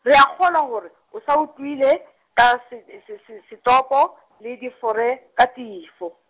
re a kgolwa hore, o sa utlwile, ka se, e se se se setopo , le diforekathifo.